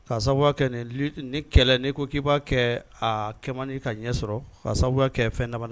Ka sababuya kɛ nin nin kɛlɛ n'i ko k'i b'a kɛ a kɛ man di ka ɲɛ sɔrɔ ka sababu kɛ fɛn dama dɔ